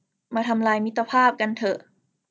มาทำลายมิตรภาพกันเถอะ